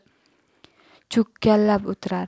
cho'kkalab o'tirar